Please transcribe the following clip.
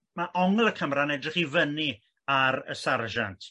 ma' onlg y camra'n edrych i fyny ar y sarjant